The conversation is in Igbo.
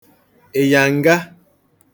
ịyanga